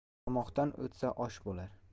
tomoqdan o'tsa osh bo'lar